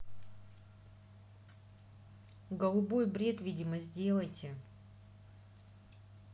голубой бред видимо сделайте